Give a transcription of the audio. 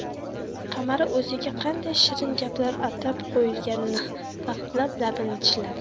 qamara o'ziga qanday shirin gaplar atab qo'yilganini fahmlab labini tishladi